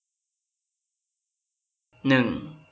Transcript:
หนึ่ง